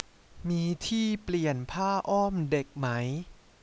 มีที่เปลี่ยนผ้าอ้อมเด็กไหม